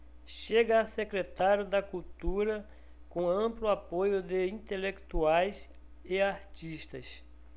chega a secretário da cultura com amplo apoio de intelectuais e artistas